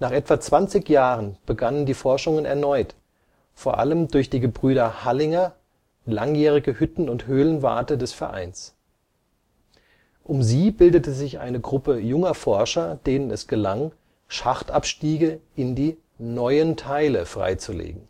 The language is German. etwa 20 Jahren begannen die Forschungen erneut, vor allem durch die Gebrüder Hallinger, langjährige Hütten - und Höhlenwarte des Vereins. Um sie bildete sich eine Gruppe junger Forscher, denen es gelang, Schachtabstiege in die neuen Teile freizulegen